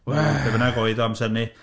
Wel... Be bynnag oedd o amser 'ny.